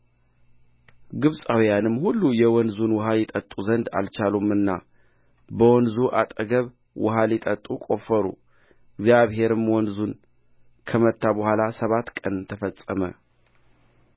ግብፃውያንም ሁሉ የወንዙን ውኃ ይጠጡ ዘንድ አልቻሉምና በወንዙ አጠገብ ውኃ ሊጠጡ ቆፈሩ እግዚአብሔርም ወንዙን ከመታ በኋላ ሰባት ቀን ተፈጸመ